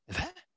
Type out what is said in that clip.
Ife?